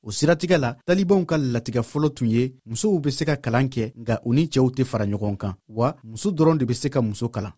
o siratigɛ la talibanw ka latigɛ fɔlɔ tun ye musow bɛ se ka kalan kɛ nka u ni cɛw tɛ fara ɲɔgɔn kan wa muso dɔrɔn de bɛ se ka muso kalan